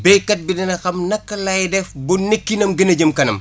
béykat bi dina xam naka lay def ba nekkinam gën a jëm kanam